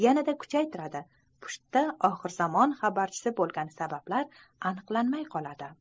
yanada kuchaytiradi pushtda oxir zamon xabarchisi bo'lgan sabablar aniqlanmay qoladi